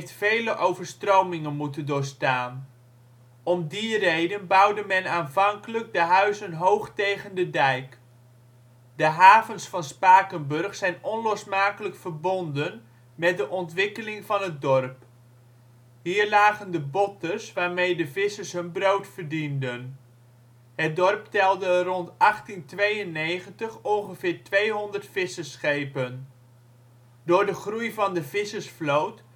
vele overstromingen moeten doorstaan. Om die reden bouwde men aanvankelijk de huizen hoog tegen de dijk. De havens van Spakenburg zijn onlosmakelijk verbonden met de ontwikkeling van het dorp. Hier lagen de botters waarmee de vissers hun brood verdienden. Het dorp telde rond 1892 ongeveer 200 vissersschepen. Door de groei van de vissersvloot